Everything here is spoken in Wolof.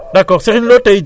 79